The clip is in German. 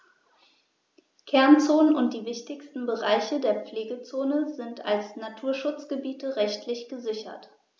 Kernzonen und die wichtigsten Bereiche der Pflegezone sind als Naturschutzgebiete rechtlich gesichert.